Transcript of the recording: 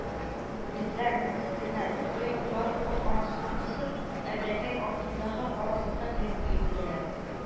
Этләр, мескеннәр, койрыкларын бот арасына кысып, әбрәкәй артындагы аралыкка кереп өелделәр